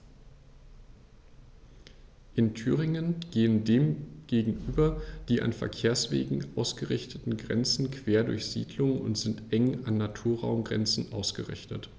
In Thüringen gehen dem gegenüber die an Verkehrswegen ausgerichteten Grenzen quer durch Siedlungen und sind eng an Naturraumgrenzen ausgerichtet.